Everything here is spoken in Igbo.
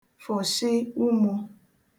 fụ̀shị umō